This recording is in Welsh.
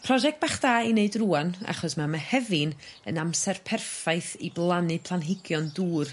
prosect bach da i neud rŵan achos ma' Mehefin yn amser perffaith i blannu planhigion dŵr.